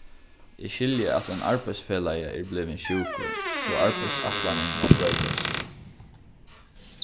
eg skilji at ein arbeiðsfelagi er blivin sjúkur so arbeiðsætlanin má broytast